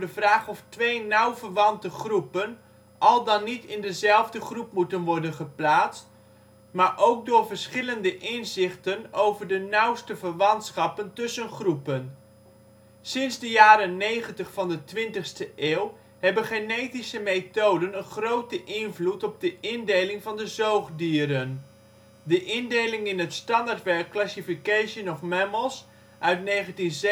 vraag of twee nauw verwante groepen al dan niet in dezelfde groep moeten worden geplaatst, maar ook door verschillende inzichten over de nauwste verwantschappen tussen groepen. Sinds de jaren 90 van de 20e eeuw hebben genetische methoden een grote invloed op de indeling van de zoogdieren. Hieronder worden enkele veelgebruikte indelingen uiteengezet. De indeling in het standaardwerk Classification of Mammals (1997